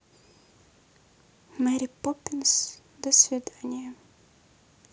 мэри попинс до свидания